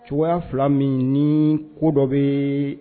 Cogoya fila min ni ko dɔ bɛ